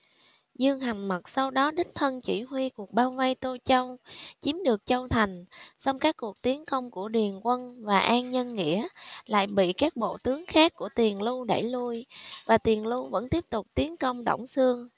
dương hành mật sau đó đích thân chỉ huy cuộc bao vây tô châu chiếm được châu thành song các cuộc tiến công của điền quân và an nhân nghĩa thì lại bị các bộ tướng khác của tiền lưu đẩy lui và tiền lưu vẫn tiếp tục tiến công đổng xương